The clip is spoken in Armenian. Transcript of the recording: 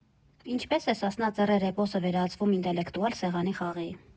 Ինչպես է «Սասնա Ծռեր» էպոսը վերածվում ինտելեկտուալ սեղանի խաղի։